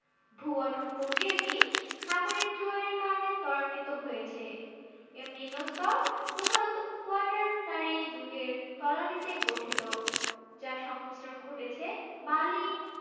ভূগঠন প্রক্রিয়াটি সাগরের জোয়ারের কারণে ত্বরান্বিত হয়েছে এর নিম্নস্তর প্রধানত কোয়াটারনারি যুগের তলানিতে গঠিত যার সংমিশ্রণ ঘটেছে বালি